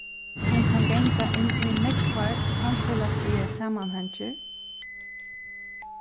sum kann ganga inn í nógvar samfelagsligar samanhangir s